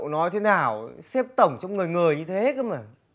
cậu nói thế nào ý sếp tổng trông ngời ngời như thế cơ mà